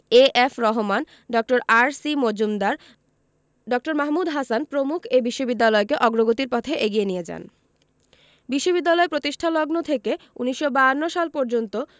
A F Rahman ড. R C Majumdar ড. মাহমুদ হাসান প্রমুখ এ বিশ্ববিদ্যালয়কে অগ্রগতির পথে এগিয়ে নিয়ে যান বিশ্ববিদ্যালয় প্রতিষ্ঠালগ্ন থেকে ১৯৫২ সাল পর্যন্ত